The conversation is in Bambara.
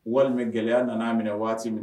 Walima gɛlɛya nana'a minɛ waati min